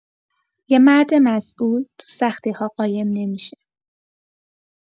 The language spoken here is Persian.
یه مرد مسئول، تو سختی‌ها قایم نمی‌شه.